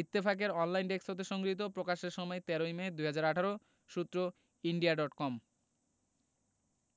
ইত্তেফাক এর online desk হতে সংগৃহীত প্রকাশের সময় ১৩ মে ২০১৮ সূত্র ইন্ডিয়া ডট কম